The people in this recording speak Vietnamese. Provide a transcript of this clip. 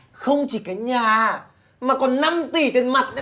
không chỉ cái nhà mà còn năm tỉ tiền mặt nữa